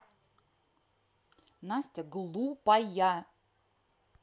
настя глупая